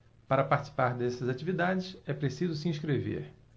para participar dessas atividades é preciso se inscrever